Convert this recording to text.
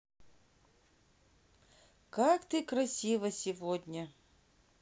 как ты красива сегодня